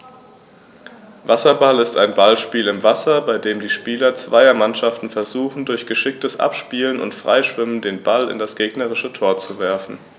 Wasserball ist ein Ballspiel im Wasser, bei dem die Spieler zweier Mannschaften versuchen, durch geschicktes Abspielen und Freischwimmen den Ball in das gegnerische Tor zu werfen.